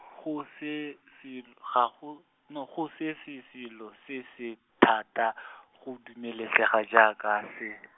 go se sel-, ga go, no, go se se selo se se thata , go dumelesega jaaka se .